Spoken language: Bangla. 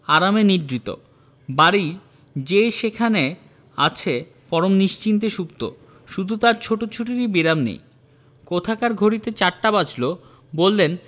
আরামে নিদ্রিত বাড়ির যে সেখানে আছে পরম নিশ্চিন্তে সুপ্ত শুধু তাঁর ছুটোছুটিরই বিরাম নেই কোথাকার ঘড়িতে চারটে বাজলো বললেন